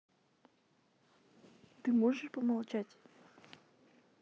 ты можешь помолчать